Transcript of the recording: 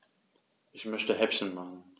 Ich möchte Häppchen machen.